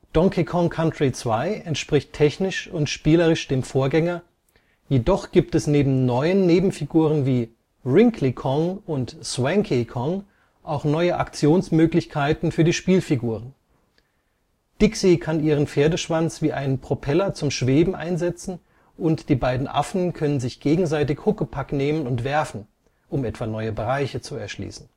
Donkey Kong Country 2 entspricht technisch und spielerisch dem Vorgänger, jedoch gibt es neben neuen Nebenfiguren wie Wrinkly Kong und Swanky Kong auch neue Aktionsmöglichkeiten für die Spielfiguren: Dixie kann ihren Pferdeschwanz wie einen Propeller zum Schweben einsetzen und die beiden Affen können sich gegenseitig Huckepack nehmen und werfen, um etwa neue Bereiche zu erschließen